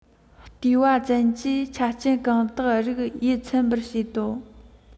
བལྟས པ ཙམ གྱིས ཆ རྐྱེན གང དག རིགས ཡིད ཚིམ པར བྱེད དོ